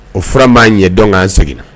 O fana b'a ɲɛ dɔn k'an seginna